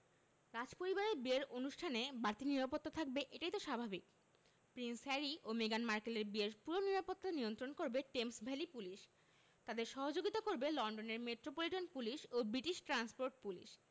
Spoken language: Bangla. রাজপরিবারের বিয়ের অনুষ্ঠানে বাড়তি নিরাপত্তা থাকবে এটাই তো স্বাভাবিক প্রিন্স হ্যারি ও মেগান মার্কেলের বিয়ের পুরো নিরাপত্তা নিয়ন্ত্রণ করবে টেমস ভ্যালি পুলিশ তাঁদের সহযোগিতা করবে লন্ডনের মেট্রোপলিটন পুলিশ ও ব্রিটিশ ট্রান্সপোর্ট পুলিশ